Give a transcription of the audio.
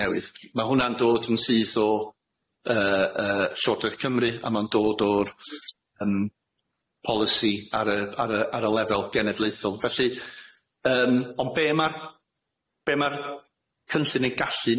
newydd, ma' hwnna'n dod yn syth o yy yy Llodraeth Cymru a ma'n dod o'r yym policy ar y ar y ar y lefel genedlaethol felly yym ond be' ma'r be' ma'r cynllun yn gallu